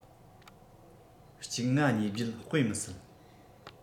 ༡༥༢༨ དཔེ མི སྲིད